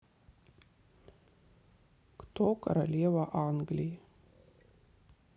кто королева англии